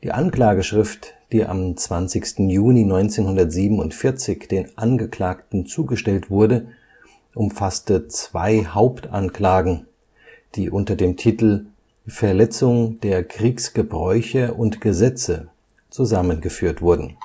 Anklageschrift, die am 20. Juni 1947 den Angeklagten zugestellt wurde, umfasste zwei Hauptanklagen, die unter dem Titel „ Verletzung der Kriegsgebräuche und - gesetze “zusammengeführt wurden